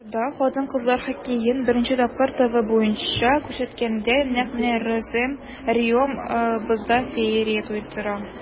Уеннарда хатын-кызлар хоккеен беренче тапкыр ТВ буенча күрсәткәндә, нәкъ менә Реом бозда феерия тудыра.